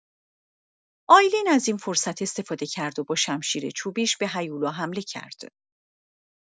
آیلین از این فرصت استفاده کرد و با شمشیر چوبیش به هیولا حمله کرد.